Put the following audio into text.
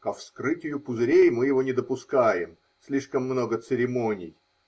Ко вскрытию пузырей мы его не допускаем -- слишком много церемоний.